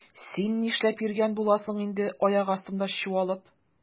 Син нишләп йөргән буласың инде аяк астында чуалып?